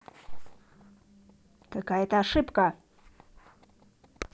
какая то ошибка